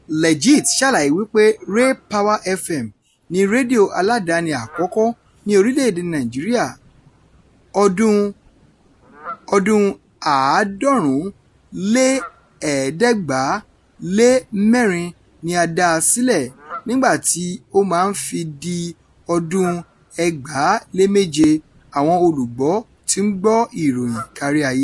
Legit ṣàlàyé wípé RayPower FM, ni rédíò aládàáni àkọ́kọ́ ní orílẹ̀-èdèe Nàìjíríà, ọdún-un 1994 ni a dá a sílẹ̀, nígbàtí ó mmáa fi di ọdún-un 2007, àwọn olùgbọ́ ti ń gbọ́ ìròyìn kárí ayé.